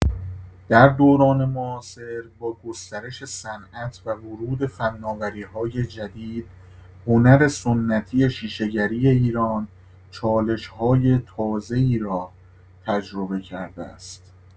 در دوران معاصر، با گسترش صنعت و ورود فناوری‌های جدید، هنر سنتی شیشه‌گری ایران چالش‌های تازه‌ای را تجربه کرده است.